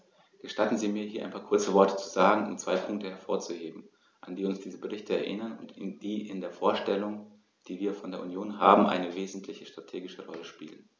Gestatten Sie mir, hier ein paar kurze Worte zu sagen, um zwei Punkte hervorzuheben, an die uns diese Berichte erinnern und die in der Vorstellung, die wir von der Union haben, eine wesentliche strategische Rolle spielen.